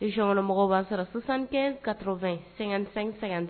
Région kɔnɔ mɔgɔw b'a sɔrɔ 75 80 56 56 .